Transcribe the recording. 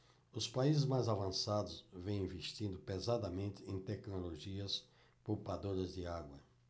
os países mais avançados vêm investindo pesadamente em tecnologias poupadoras de água